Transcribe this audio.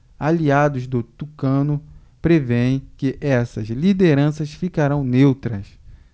aliados do tucano prevêem que essas lideranças ficarão neutras